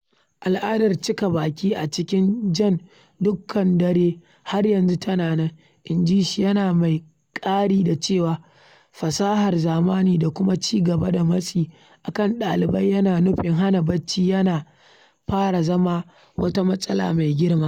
Al’adar cika baki a cikin ‘jan dukkan dare’ har yanzu tana nan, inji shi, yana mai ƙari da cewa fasahar zamani da kuma ci gaba da matsi a kan ɗalibai yana nufin hana barci yana fara zama wata matsala mai girma.